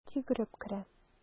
Әхәт йөгереп керә.